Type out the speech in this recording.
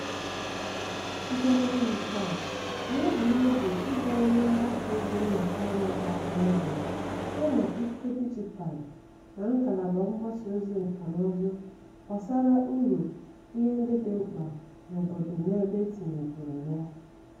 Site na nnyocha a, anyị bu n'obi ịbawanye mgbasaozi mmepeanya ọhanaeze yana ikike dijitaalụ na ngalaba mgbasaozi nkànaụzụ gbasara uru ihe ndị dị mkpa n'obodo na ebe etinyegoro ya.